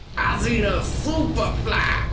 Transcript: I seen a super fly!